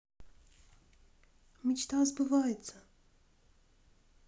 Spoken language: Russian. мечта сбывается